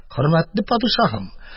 Хөрмәтле падишаһым!